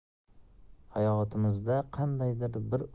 hayotimizda qandaydir bir